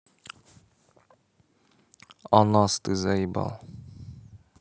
а ты нас заебал